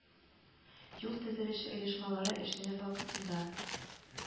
Юл төзелеше оешмалары эшне вакытында